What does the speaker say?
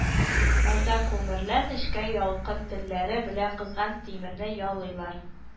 Монда күмерләр нечкә ялкын телләре белән кызган тимерне ялыйлар